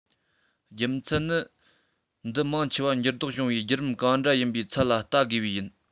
རྒྱུ མཚན ནི འདི མང ཆེ བ འགྱུར ལྡོག བྱུང བའི བརྒྱུད རིམ ག འདྲ ཡིན པའི ཚད ལ བལྟ དགོས པས ཡིན